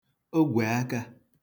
ogwè akā